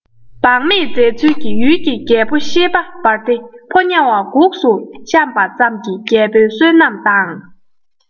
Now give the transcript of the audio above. བག མེད མཛད ཚུལ གྱིས ཡུལ གྱི རྒྱལ པོ ཤེས པ འབར ཏེ ཕོ ཉ བ འགུགས སུ བཤམས པ ཙམ གྱིས རྒྱལ པོའི བསོད ནམས དང